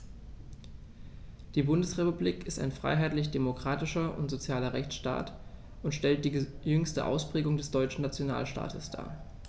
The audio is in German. Die Bundesrepublik ist ein freiheitlich-demokratischer und sozialer Rechtsstaat und stellt die jüngste Ausprägung des deutschen Nationalstaates dar.